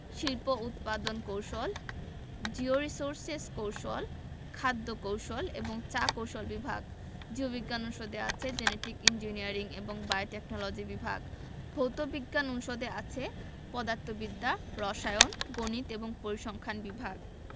শিল্প ও উৎপাদন কৌশল জিওরির্সোসেস কৌশল খাদ্য কৌশল এবং চা কৌশল বিভাগ জীব বিজ্ঞান অনুষদে আছে জেনেটিক ইঞ্জিনিয়ারিং এবং বায়োটেকনলজি বিভাগ ভৌত বিজ্ঞান অনুষদে আছে পদার্থবিদ্যা রসায়ন গণিত এবং পরিসংখ্যান বিভাগ